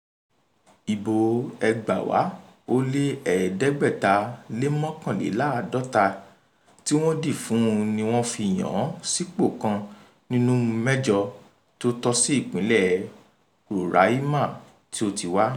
Ìbòo 8,491 tí wọ́n dì fún un ni wọ́n fi yàn án sípò kan nínúu mẹ́jọ tí ó tọ́ sí ìpínlẹ̀ Roraima tí ó ti wá.